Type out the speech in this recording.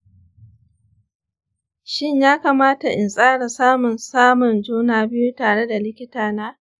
shin ya kamata in tsara samun samun juna biyu tare da likitana?